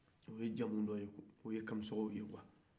o ye jamu dɔ ye kuwa o ye kamisɔkɔw ye kuwa